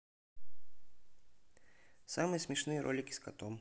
самые смешные ролики с компотом